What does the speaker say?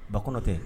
Ba kɔnɔ tɛ